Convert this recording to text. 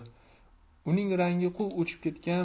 uning rangi quv o'chib ketgan